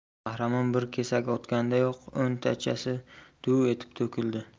qahramon bir kesak otgandayoq o'ntachasi duv etib to'kildi